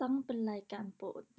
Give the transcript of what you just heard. ตั้งเป็นรายการโปรด